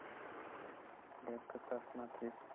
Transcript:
gapga pasmatri